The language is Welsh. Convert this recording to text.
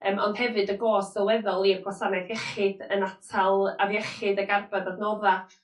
Yym ond hefyd y gost sylweddol i'r gwasanaeth iechyd yn atal afiechyd ag arbad adnodda'